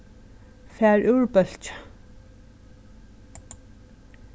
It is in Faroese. far úr bólki